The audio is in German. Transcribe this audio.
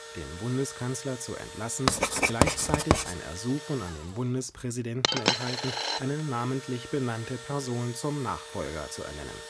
den Bundeskanzler zu entlassen, gleichzeitig ein Ersuchen an den Bundespräsidenten enthalten, eine namentlich benannte Person zum Nachfolger zu ernennen